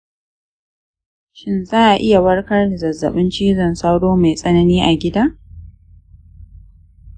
shin za a iya warkarda zazzaɓin cizon sauro mai tsanani a gida